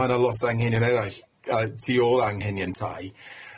Ma' 'na lot o anghenion erall yy tu ôl anghenion tai.